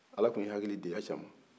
ala tun ye hakilidi ayise man